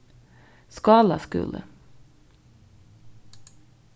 skála skúli